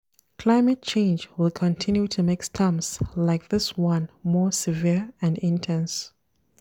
Climate change will continue to make storms like this one more severe and intense.